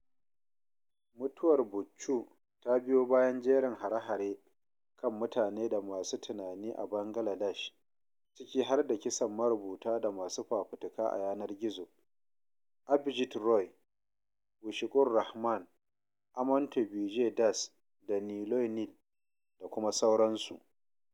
Mutuwar Bachchu ta biyo bayan jerin hare-hare kan mutane da masu tunani a Bangladesh, ciki har da kisan marubuta da masu fafutuka a yanar gizo Avijit Roy, Washiqur Rahman, Ananto Bijoy Das da Niloy Neel, da kuma sauransu.